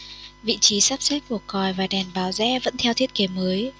vị trí sắp xếp của còi và đèn báo rẽ vẫn theo thiết kế mới